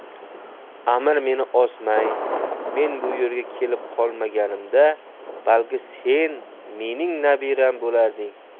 amir meni osmay men bu yerga kelib qolmaganimda balki sen mening nabiram bo'larding